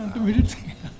30 minutes